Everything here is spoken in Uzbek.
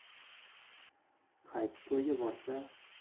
qaysi to'yga borsa